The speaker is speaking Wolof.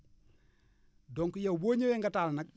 donc yow boo ñëwee nga taal nag